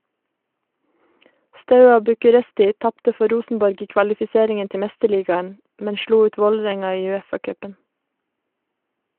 Steaua Bucuresti tapte for Rosenborg i kvalifiseringen til mesterligaen, men slo ut Vålerenga i UEFA-cupen.